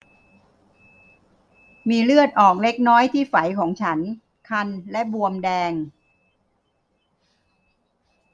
มีเลือดออกเล็กน้อยที่ไฝของฉันคันและบวมแดง